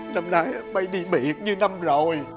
năm nay á bay đi biệt nhiêu năm rồi